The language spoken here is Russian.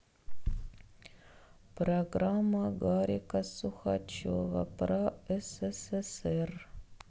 программа гарика сукачева про ссср